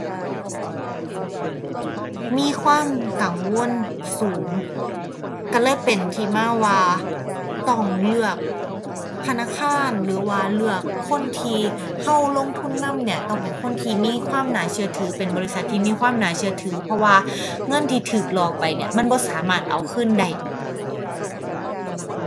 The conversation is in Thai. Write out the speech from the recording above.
มีความกังวลสูง ก็เลยเป็นที่มาว่า ต้องเลือกธนาคารหรือว่าเลือกคนที่ก็ลงทุนนำเนี่ย ต้องเป็นคนที่มีความน่าเชื่อถือ เป็นบริษัทที่มีความน่าเชื่อถือ เพราะว่าเงินที่ก็หลอกไปเนี่ย มันบ่สามารถเอาคืนได้